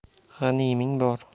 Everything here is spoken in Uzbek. g'animing boor